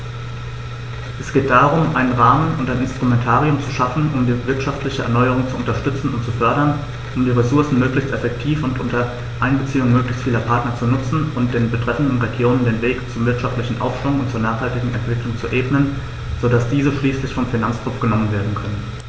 Es geht darum, einen Rahmen und ein Instrumentarium zu schaffen, um die wirtschaftliche Erneuerung zu unterstützen und zu fördern, um die Ressourcen möglichst effektiv und unter Einbeziehung möglichst vieler Partner zu nutzen und den betreffenden Regionen den Weg zum wirtschaftlichen Aufschwung und zur nachhaltigen Entwicklung zu ebnen, so dass diese schließlich vom Finanztropf genommen werden können.